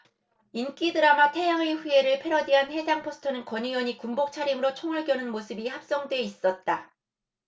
인기 드라마 태양의 후예를 패러디한 해당 포스터는 권 의원이 군복 차림으로 총을 겨눈 모습이 합성돼 있었다